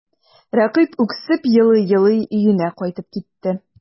Рәкыйп үксеп елый-елый өенә кайтып китте.